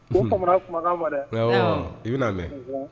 Kan ma dɛ i bɛ mɛn